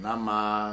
Naamu